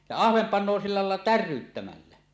ja ahven panee sillä lailla täryyttämällä